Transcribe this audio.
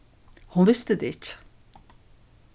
hon visti tað ikki